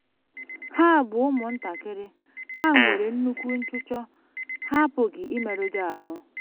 Ha bụ ụmụ ntakịrị, ha nwere nnukwu nchụchọ ... ha apụghị ịmerụ gị ahụ.